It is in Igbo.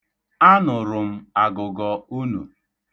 Anụrụ m agụgọ unu.